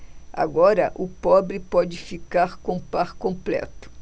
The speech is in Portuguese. agora o pobre pode ficar com o par completo